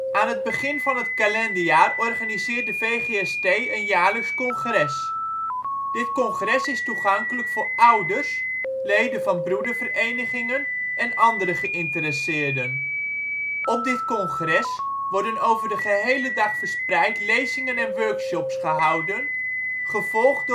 Aan het begin van het kalenderjaar organiseert de VGST een jaarlijks congres. Dit congres is toegankelijk voor ouders, leden van broederverenigingen en andere geïnteresseerden. Op dit congres worden over de gehele dag verspreid lezingen en workshops gehouden gevolgd